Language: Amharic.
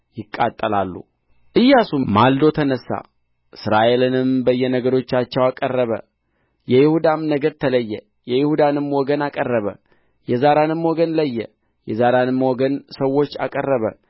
ይቃጠላሉ ኢያሱም ማልዶ ተነሣ እስራኤልንም በየነገዶቻቸው አቀረበ የይሁዳም ነገድ ተለየ የይሁዳንም ወገን አቀረበ የዛራንም ወገን ለየ የዛራንም ወገን ሰዎች አቀረበ